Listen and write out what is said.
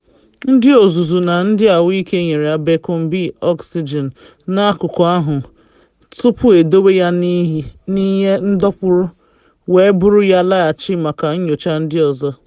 Ndị ọzụzụ na ndị ahụike nyere Abercrombie oxygen n’akụkụ ahụ tupu edowe ya n’ihe ndọkpụrụ wee buru ya laghachi maka nyocha ndị ọzọ.